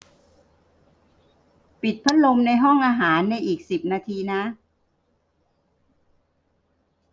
ปิดพัดลมในห้องอาหารในอีกสิบนาทีนะ